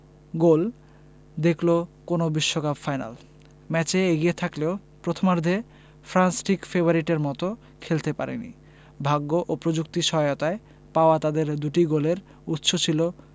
গোল দেখল কোনো বিশ্বকাপ ফাইনাল ম্যাচে এগিয়ে থাকলেও প্রথমার্ধে ফ্রান্স ঠিক ফেভারিটের মতো খেলতে পারেনি ভাগ্য ও প্রযুক্তির সহায়তায় পাওয়া তাদের দুটি গোলের উৎস ছিল